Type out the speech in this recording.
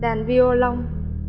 đàn vi ô lông